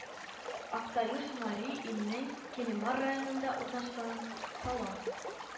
Актаюж Мари Илнең Килемар районында урнашкан сала